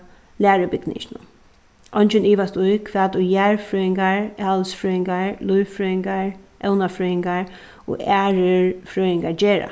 lærubygninginum eingin ivast í hvat ið jarðfrøðingar alisfrøðingar lívfrøðingar evnafrøðingar og aðrir frøðingar gera